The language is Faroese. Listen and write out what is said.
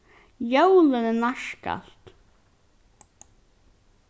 jólini nærkast